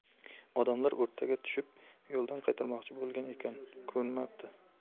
odamlar o'rtaga tushib yo'ldan qaytarmoqchi bo'lgan ekan ko'nmapti